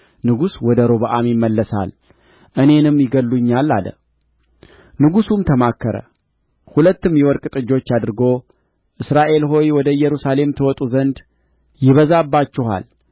ንጉሥ ወደ ሮብዓም ይመለሳል እኔንም ይገድሉኛል አለ ንጉሡም ተማከረ ሁለትም የወርቅ ጥጆች አድርጎ እስራኤል ሆይ ወደ ኢየሩሳሌም ትወጡ ዘንድ ይበዛባችኋል